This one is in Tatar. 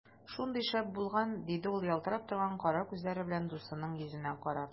Шундый шәп булган! - диде ул ялтырап торган кара күзләре белән дусының йөзенә карап.